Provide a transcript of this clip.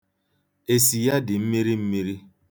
Esi ya dị mmiri mmiri.